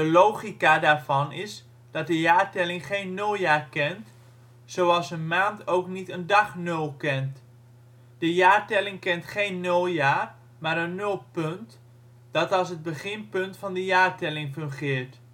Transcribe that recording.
logica daarvan is dat de jaartelling geen ' nuljaar ' kent, zoals een maand ook niet een dag nul kent. De jaartelling kent geen nuljaar, maar een nulpunt, dat als het beginpunt van de jaartelling fungeert